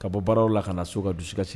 Ka bɔ baararaw la ka na so ka dusu ka sigi